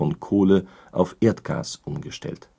Kohle auf Erdgas umgestellt